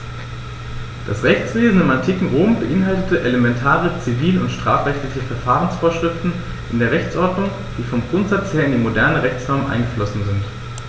Das Rechtswesen im antiken Rom beinhaltete elementare zivil- und strafrechtliche Verfahrensvorschriften in der Rechtsordnung, die vom Grundsatz her in die modernen Rechtsnormen eingeflossen sind.